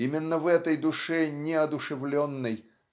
Именно в этой душе неодушевленной